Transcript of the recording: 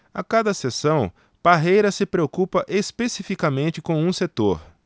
a cada sessão parreira se preocupa especificamente com um setor